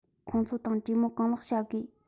ཁོང ཚོ དང གྲོས མོལ གང ལེགས བྱ དགོས